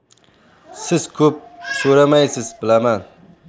siz ko'p so'ramaysiz bilaman